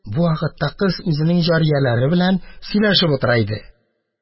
Бу вакытта кыз үзенең җарияләре белән сөйләшеп утыра иде